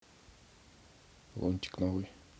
лунтик новый